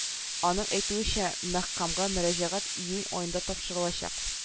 Аның әйтүенчә мәхкамәгә мөрәҗәгать июнь аенда тапшырылачак